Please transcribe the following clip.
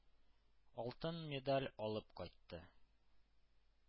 Алтын медаль алып кайтты.